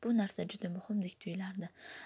bu narsa juda muhimdek tuyulardi